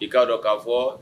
I kaa dɔnkan fɔ